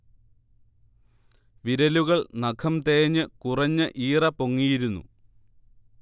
വിരലുകൾ നഖം തേഞ്ഞ് കുറഞ്ഞ് ഈറ പൊങ്ങിയിരുന്നു